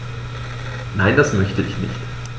Nein, das möchte ich nicht.